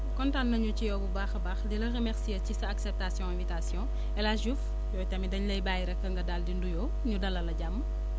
kontaan nañu ci yow bu baax a baax di la remercier ci sa acceptation invitation El Hadj Diouf yow tamit dañu lay bàyyi rek nga daal di nuyoo ñu dalal la jàmm